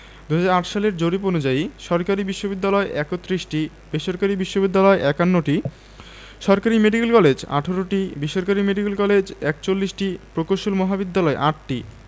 ২০০৮ সালের জরিপ অনুযায়ী সরকারি বিশ্ববিদ্যালয় ৩১টি বেসরকারি বিশ্ববিদ্যালয় ৫১টি সরকারি মেডিকেল কলেজ ১৮টি বেসরকারি মেডিকেল কলেজ ৪১টি প্রকৌশল মহাবিদ্যালয় ৮টি